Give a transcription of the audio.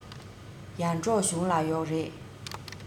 ཡར འབྲོག གཞུང ལ ཡོག རེད